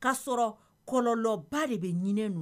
K'a sɔrɔ kɔlɔba de bɛ ɲinɛ ninnu na